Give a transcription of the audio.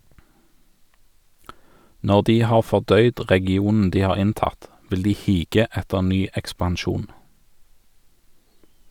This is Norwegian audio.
Når de har fordøyd regionen de har inntatt, vil de hige etter ny ekspansjon.